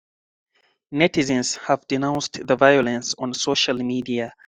Netizens have denounced the violence on social media: